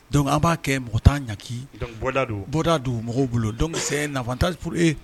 Dɔnku an b'a kɛ mɔgɔ t tan ɲagaki bɔda don mɔgɔw bolo don bɛ se nafatauruure